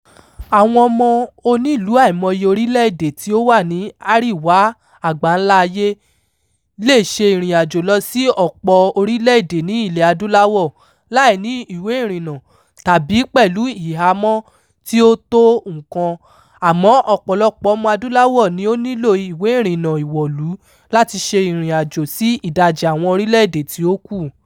Àwọn ọmọ onílùú àìmọye orílẹ̀-èdè tí ó wà ní Àríwá àgbáńlá ayé lè ṣe ìrìnàjò lọ sí ọ̀pọ̀ orílẹ̀-èdè ní ilẹ̀-adúláwọ̀ láì ní ìwé ìrìnnà, tàbí pẹ̀lú hìhámọ́ tí ò tó nǹkan, àmọ́ ọ̀pọ̀lọpọ̀ Ọmọ-adúláwọ̀ ni ó nílòo ìwé ìrìnnà ìwọ̀lú láti ṣe ìrìnàjò sí ìdajì àwọn orílẹ̀-èdè tí ó kù.